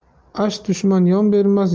ash dushman yon bermas